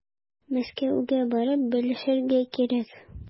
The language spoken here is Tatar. Мәскәүгә барып белешергә кирәк.